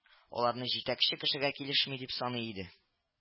Аларны җитәкче кешегә килешми дип саный иде